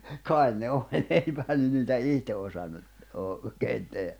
kai ne oli eipähän ne niitä itse osannut - oikein tehdä